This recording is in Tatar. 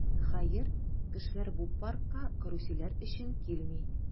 Хәер, кешеләр бу паркка карусельләр өчен килми.